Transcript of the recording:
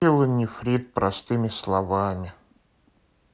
пиелонефрит простыми словами